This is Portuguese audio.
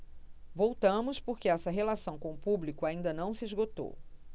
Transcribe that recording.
voltamos porque essa relação com o público ainda não se esgotou